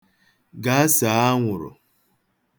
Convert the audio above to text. Gaa, see anwụrụ.